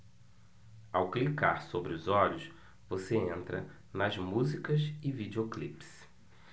ao clicar sobre os olhos você entra nas músicas e videoclipes